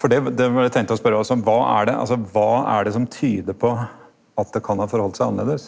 for det det tenkte eg å spørje altså kva er det, altså kva er det som tyder på at det kan ha forhalde seg annleis?